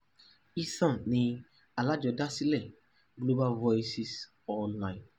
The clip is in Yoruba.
Ethan ni alájọdásílẹ̀ Global Voices Online.